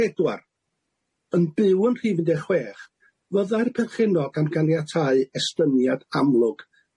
pedwar yn byw yn rhif un deg chwech fyddai'r perchenog am ganiatáu estyniad amlwg